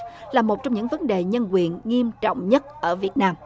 là một trong những vấn đề nhân quyền nghiêm trọng nhất ở việt nam